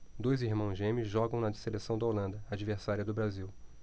dois irmãos gêmeos jogam na seleção da holanda adversária do brasil